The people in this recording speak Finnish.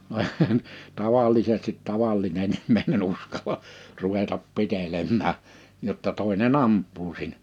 no eihän tavallisesti tavallinen ihminen uskalla ruveta pitelemään jotta toinen ampuu siinä